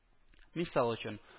Мисал өчен